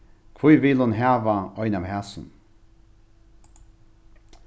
hví vil hon hava ein av hasum